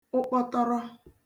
ụkpọtọrọ